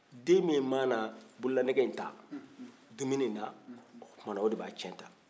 den min mana bololanɛgɛ in ta dumuni na o tuma o de b'a tiɲɛ ta